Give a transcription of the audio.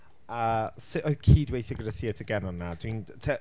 A sut oedd cydweithio gyda Theatr Gen ar 'na? Dwi’n, ta...